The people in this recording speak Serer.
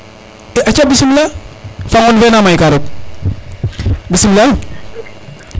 e aca bismila fa ŋon fe na mayka rek bismila